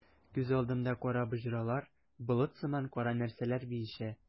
Күз алдымда кара боҗралар, болыт сыман кара нәрсәләр биешә.